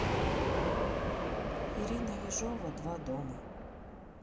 ирина ежова два дома